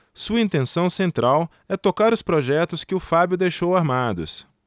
sua intenção central é tocar os projetos que o fábio deixou armados